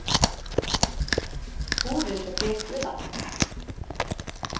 hurðin hjá petru er læst